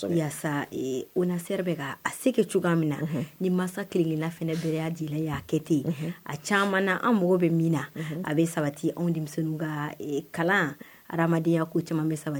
yasa, ONASER bɛ k'a se kɛ cogoya min na, ni masa kelen kelen na fana bɛɛ lajɛlen y'a kɛ ten, a caaman na, an mago bɛ min na a bɛ sabati, anw deminsɛnniw ka kalan, adamadenya ko caaman bɛ sabati.